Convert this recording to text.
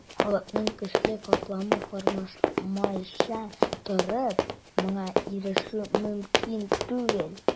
Халыкның көчле катламы формалашмыйча торып, моңа ирешү мөмкин түгел.